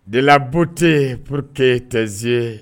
De la beauté pour que tes yeux